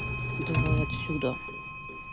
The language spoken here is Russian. давай отсюда